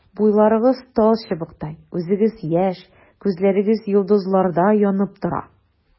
Буйларыгыз талчыбыктай, үзегез яшь, күзләрегез йолдызлардай янып тора.